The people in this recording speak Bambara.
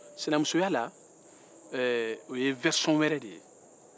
sinamuso ya ye vɛrsiyɔn wɛrɛ de ye